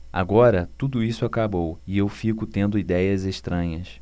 agora tudo isso acabou e eu fico tendo idéias estranhas